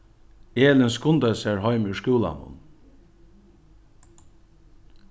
elin skundaði sær heim úr skúlanum